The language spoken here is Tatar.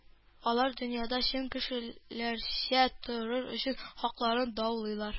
Алар дөньяда чын кешеләрчә торыр өчен хакларын даулыйлар